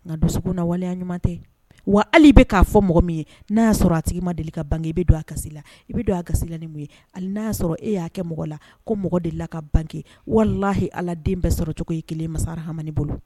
Nka dusu sugu na waleya ɲuman tɛ wa hali bɛ k'a fɔ mɔgɔ min ye n'a y'a sɔrɔ a tigi ma deli ka bange i bɛ don a kasi la i bɛ don a kasila nin mun ye ale n'a y'a sɔrɔ e y'a kɛ mɔgɔ la ko mɔgɔ dela ka bange wala ala den bɛ sɔrɔcogo ye kelen masa hamani bolo